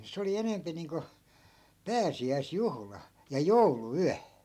se oli enempi niin kuin pääsiäisjuhla ja jouluyö